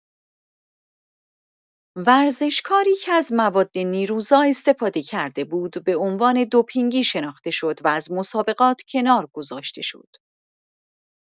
ورزشکاری که از مواد نیروزا استفاده کرده بود، به عنوان دوپینگی شناخته شد و از مسابقات کنار گذاشته شد.